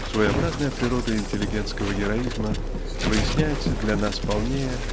Своеобразная природа интеллигентского героизма выясняется для нас полнее